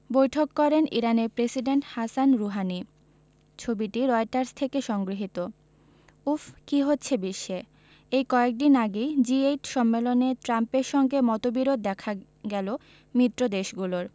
বৈঠক করেন ইরানের প্রেসিডেন্ট হাসান রুহানি ছবিটি রয়টার্স থেকে সংগৃহীত উফ্ কী হচ্ছে বিশ্বে এই কয়েক দিন আগেই জি এইট সম্মেলনে ট্রাম্পের সঙ্গে মতবিরোধ দেখা গেল মিত্রদেশগুলোর